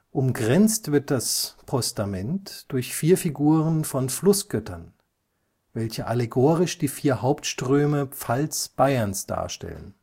Umkränzt wird das Piedestal durch vier Figuren von Flussgöttern, welche allegorisch die vier Hauptströme Pfalz-Bayerns darstellen